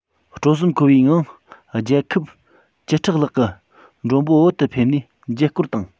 སྤྲོ སེམས འཁོལ བའི ངང རྒྱལ ཁབ བཅུ ཕྲག ལྷག གི མགྲོན པོ བོད དུ ཕེབས ནས མཇལ སྐོར དང